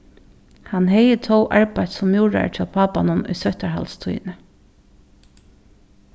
hann hevði tó arbeitt sum múrari hjá pápanum í sóttarhaldstíðini